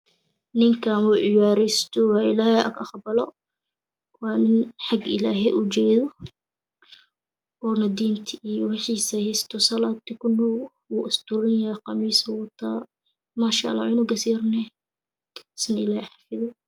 Ninkaan wuu cipadesanayaa ilahey ha u qabalo waa nin xag ilahy ujeedo uuna diidta iyo nolashiisa salada tukanoya wuuna asturan yahay qamiisuu wataa masha alah cunigaas yarna asna ilahey ha xafido